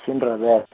siNdebe-.